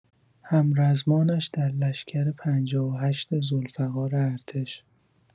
همرزمانش در لشگر ۵۸ ذوالفقار ارتش